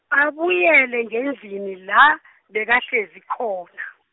abuyele ngendlini la , bekahlezi khona.